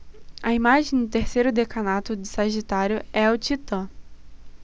a imagem do terceiro decanato de sagitário é o titã